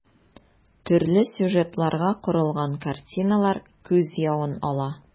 Төрле сюжетларга корылган картиналар күз явын ала.